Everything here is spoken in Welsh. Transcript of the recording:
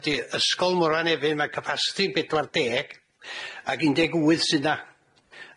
ydi ysgol Morfa Nefyn ma' capasiti'n bedwar deg ag un deg wyth sy 'na.